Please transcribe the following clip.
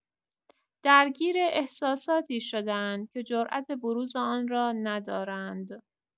درگیر احساساتی شده‌اند که جرات بروز آن را ندارند.